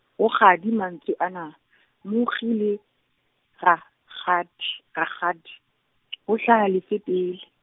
ho kgadi mantswe ana, mokgi le, rakgadi rakgadi , ho hlaha lefe pele?